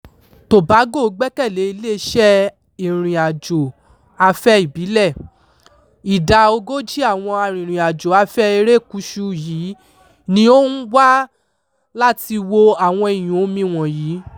Tobago gbẹ́kẹ̀lé iléeṣẹ́ ìrìnàjò afẹ́ ìbílẹ̀; ìdá 40 àwọn arìnrìn-àjò afẹ́ erékùṣù yìí ni ó máa ń wá láti wo àwọn iyùn omi wọ̀nyí.